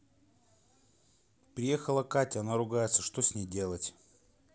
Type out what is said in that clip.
приехала катя она ругается что с ней делать